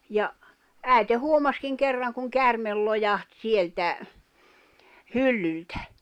ja äiti huomasikin kerran kun käärme lojahti sieltä hyllyltä